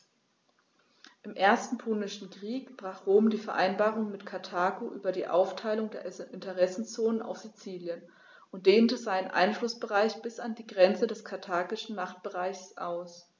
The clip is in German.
Im Ersten Punischen Krieg brach Rom die Vereinbarung mit Karthago über die Aufteilung der Interessenzonen auf Sizilien und dehnte seinen Einflussbereich bis an die Grenze des karthagischen Machtbereichs aus.